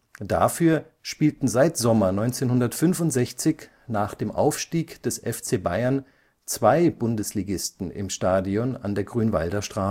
Dafür spielten seit Sommer 1965 nach dem Aufstieg des FC Bayern zwei Bundesligisten im Stadion an der Grünwalder Straße